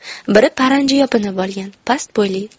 biri paranji yopinib olgan past bo'yli